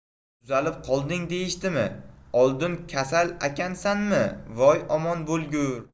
tuzalib qolding deyishdimi oldin kasalakansanmi voy omon bo'lgur